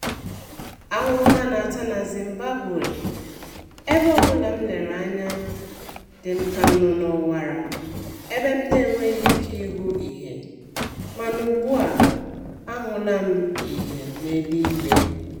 Ahụhụ a na-ata na Zimbabwe, ebe ọbụla m lere anya dị m ka m nọ n'ọwara ebe m na-enweghị ike ịhụ ìhè, mana ugbua, ahụla m ìhè n'eluigwe.